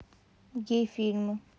гей фильмы